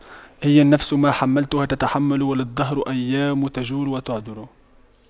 هي النفس ما حَمَّلْتَها تتحمل وللدهر أيام تجور وتَعْدِلُ